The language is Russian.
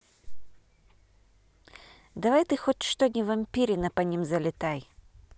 давай ты хоть что не вампирина по ним залетай